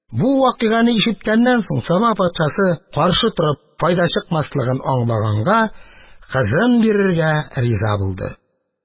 Бу вакыйганы ишеткәннән соң, Саба патшасы, каршы торып файда чыкмаслыгын аңлаганга, кызын бирергә риза булды.